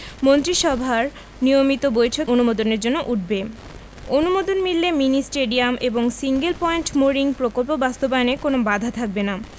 মন্ত্রিসভার নিয়মিত বৈঠকে অনুমোদনের জন্য উঠবে অনুমোদন মিললে মিনি স্টেডিয়াম এবং সিঙ্গেল পয়েন্ট মোরিং প্রকল্প বাস্তবায়নে কোনো বাধা থাকবে না